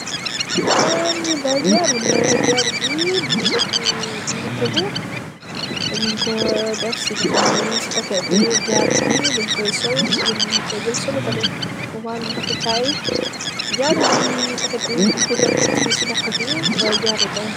Aam lii daal jaarou la, jaarou bii mungy dehfu mungy tehgu, teh njung kor deff cii lifin bii cii packet bii, jaarou bii denkoi sol gigain njee njur koi jel solu kor def waaloum rafetai, jaarou bii packet bii gorre bankoh tiyeh cii lokhor bii y jarou la.